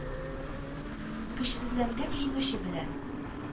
Көчсезләнгән җиңүче белән